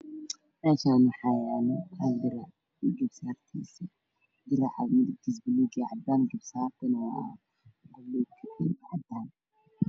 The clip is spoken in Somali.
Meeshaan waxaa yaalo hal dirac iyo Garbo saarkisa diraca midib kiisa waa buluug iyo cadaan garba saartana waa buluug